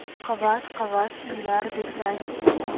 qavat qavat uylar desang